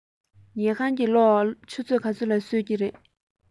ཉལ ཁང གི གློག ཆུ ཚོད ག ཚོད ལ གསོད ཀྱི རེད